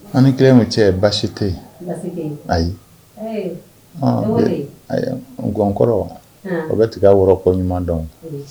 An ni kelemu cɛ basi te yen. Basi te yen ? ayi . Ee! wa gɔnkɔrɔ kɔni o bɛ tiga wɔrɔn ko ɲumandɔn.